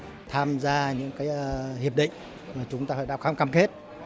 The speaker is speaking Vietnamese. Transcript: tham gia những cái hiệp định và chúng ta hội đàm khám cằm hết đ